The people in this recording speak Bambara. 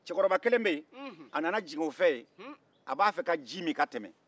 cekɔrɔba kelen bɛ yen a nana jigin o fɛ yen a bɛ fɛ ka ji min ka tɛmɛ